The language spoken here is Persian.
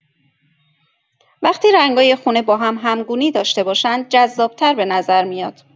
وقتی رنگای خونه با هم همگونی داشته باشن، جذاب‌تر به نظر میاد.